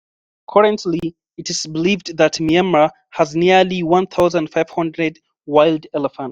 Currently, it is believed that Myanmar has nearly 1,500 wild elephants.